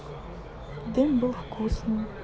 дым был вкусный